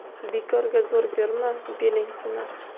bekorga zo'r berma beling sinar